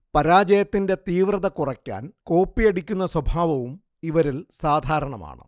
പരാജയത്തിന്റെ തീവ്രത കുറയ്ക്കാൻ കോപ്പിയടിക്കുന്ന സ്വഭാവവും ഇവരിൽ സാധാരണമാണ്